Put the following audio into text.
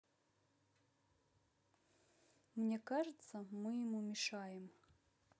мне кажется мы ему мешаем